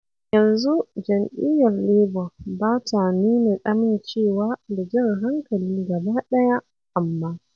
A yanzu Jam'iyyar Labour ba ta nuna amincewa da jan hankali gaba ɗaya, amma.